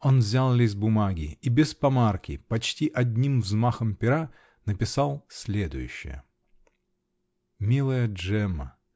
Он взял лист бумаги -- и без помарки, почти одним взмахом пера, написал следующее: "Милая Джемма!